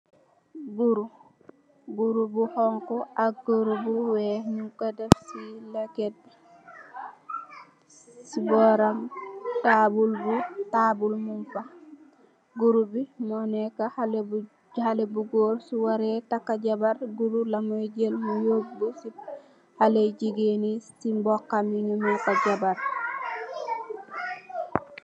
burGuru, guru bu xoñgu ak guru bu weex, ñuñ ko def lekket. Si bóoram, taabul, muñ fa. Guru bi, moo nekkë, xalé bu goor su waree takkë Jabar, guru lamooy jël mu yoobu si xalé jigéen yu, si mbookam yi, ñu may ko Jabar.